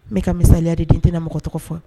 Ne ka misaya de den tɛna mɔgɔ tɔgɔ fɔ